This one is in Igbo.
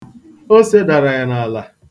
O sedara ya n'ala.